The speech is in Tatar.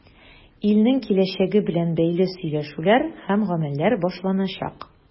Илнең киләчәге белән бәйле сөйләшүләр һәм гамәлләр башланачак.